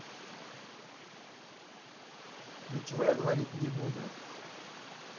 ничего я говорить не буду